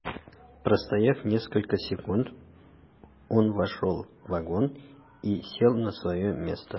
Берничә секунд басып торганнан соң, ул вагонга керде һәм үз урынына утырды.